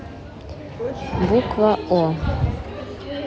буква о